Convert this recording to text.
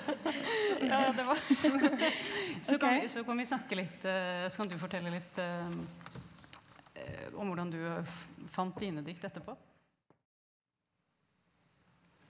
så kan vi så kan vi snakke litt så kan du fortelle litt om hvordan du fant dine dikt etterpå.